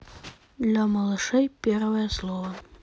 для малышей первые слова